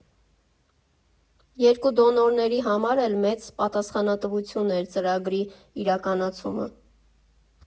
Երկու դոնորների համար էլ մեծ պատասխանատվություն էր ծրագրի իրականացումը։